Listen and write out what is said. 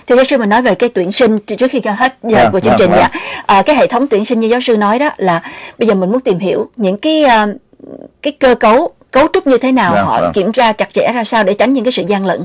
thưa giáo sư vừa nói về cái tuyển sinh trước khi ca hết giờ của chương trình dạ à cái hệ thống tuyển sinh như giáo sư nói đó là bây giờ mình muốn tìm hiểu những cái cái cơ cấu cấu trúc như thế nào họ kiểm tra chặt chẽ hay sao để tránh những sự gian lận